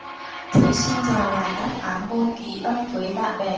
thí sinh dò lại đáp án môn ký âm với bạn bè